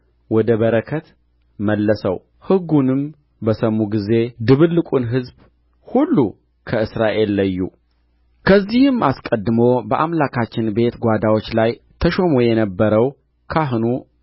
ወደ በረከት መለሰው ሕጉንም በሰሙ ጊዜ ድብልቁን ሕዝብ ሁሉ ከእስራኤል ለዩ ከዚህም አስቀድሞ በአምላካችን ቤት ጓዳዎች ላይ ተሾሞ የነበረው ካህኑ